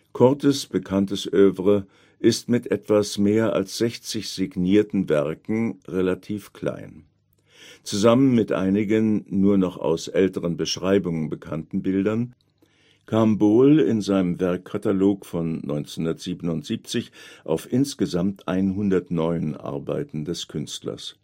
Coortes bekanntes Œuvre ist mit etwas mehr als 60 signierten Werken relativ klein. Zusammen mit einigen nur noch aus älteren Beschreibungen bekannten Bildern kam Bol in seinem Werkkatalog von 1977 auf insgesamt 109 Arbeiten des Künstlers